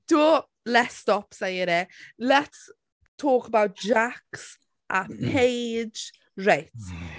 Timod? Let's stop saying it. Let's talk about Jacques, a Paige reit.